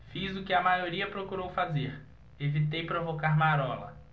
fiz o que a maioria procurou fazer evitei provocar marola